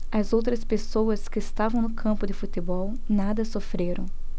as outras pessoas que estavam no campo de futebol nada sofreram